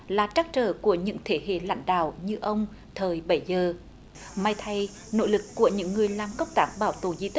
là trăn trở của những thế hệ lãnh đạo như ông thời bấy giờ may thay nội lực của những người làm công tác bảo tồn di